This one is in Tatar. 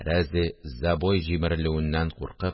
Рәзе забой җимерелүеннән куркып